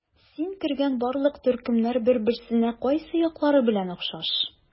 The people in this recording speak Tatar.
Син кергән барлык төркемнәр бер-берсенә кайсы яклары белән охшаш?